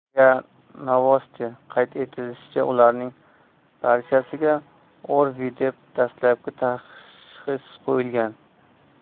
ria novosti qayd etilishicha ularning barchasiga o'rvi deb dastlabki tashxis qo'yilgan